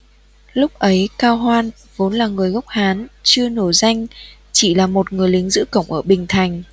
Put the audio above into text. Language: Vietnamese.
lúc ấy cao hoan vốn là người gốc hán chưa nổi danh chỉ là một người lính giữ cổng ở bình thành